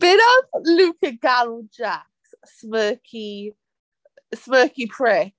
Be wnaeth Luca galw Jax smirky smirky prick?